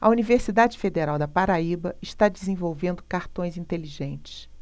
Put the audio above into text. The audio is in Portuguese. a universidade federal da paraíba está desenvolvendo cartões inteligentes